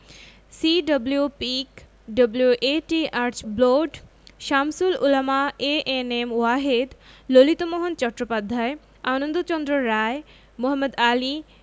C W. Peake W A T. Archbold Shamsul Ulama A N M Wahed Lalitmohan Chattopadhyay Anandachandra Roy Mohammad Ali